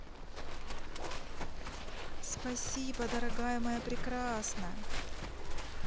спасибо дорогая моя прекрасная